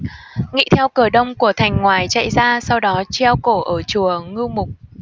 nghị theo cửa đông của thành ngoài chạy ra sau đó treo cổ ở chùa ngưu mục